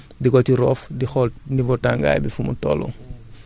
boo ci dugalul sa loxo du la lakk maanaam da nga par prudence da ngay wut sa bant rekk